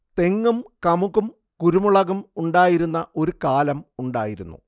തെങ്ങും കമുകും കുരുമുളകും ഉണ്ടായിരുന്ന ഒരു കാലം ഉണ്ടായിരുന്നു